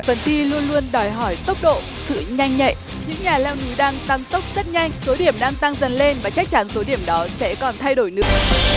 phần thi luôn luôn đòi hỏi tốc độ sự nhanh nhạy những nhà leo núi đang tăng tốc rất nhanh số điểm đang tăng dần lên và chắc chắn số điểm đó sẽ còn thay đổi nữa